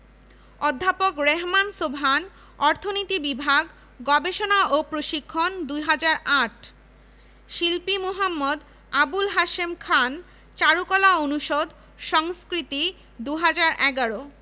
ও স্বাধীনতা সংগ্রামে নেতৃত্বদানকারী অনন্য প্রতিষ্ঠান হিসেবে শিক্ষা ক্ষেত্রে অসামান্য অবদানের স্বীকৃতিস্বরূপ ঢাকা বিশ্ববিদ্যালয়কে স্বাধীনতা পুরস্কার ২০১১ প্রদান করা হয়